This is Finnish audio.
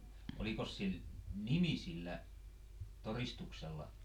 olikos sillä nimi sillä todistuksella